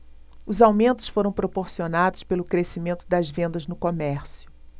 os aumentos foram proporcionados pelo crescimento das vendas no comércio